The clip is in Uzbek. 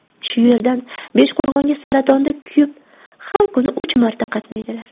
shu yerdan beshqo'rg'onga saratonda kuyib har kuni uch marta qatnaydilar